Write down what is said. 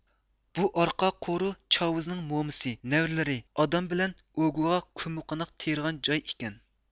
بۇ ئارقا قورۇ چاۋىزنىڭ مومىسى نەۋرىلىرى ئادام بىلەن ئۇگوغا كۆممىقوناق تېرىغان جاي ئىكەن